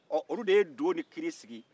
ɔ olu de ye do ni kiri sigi